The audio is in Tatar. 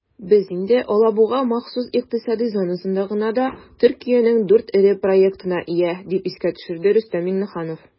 "без инде алабуга махсус икътисади зонасында гына да төркиянең 4 эре проектына ия", - дип искә төшерде рөстәм миңнеханов.